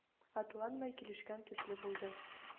Атланмай килешкән төсле булды.